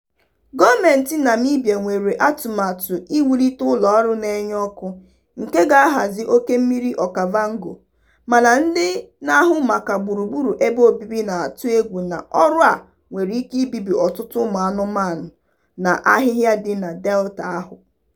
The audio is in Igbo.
Gọọmenti Namibia nwere atụmatụ iwulite ụlọọrụ na-enye ọkụ nke ga-ahazi oke mmiri Okavango, mana ndị na-ahụ maka gburugburu ebe obibi na-atụ egwu na ọrụ a nwere ike ibibi ọtụtụ ụmụanụmanụ na ahịhịa dị na Delta ahụ.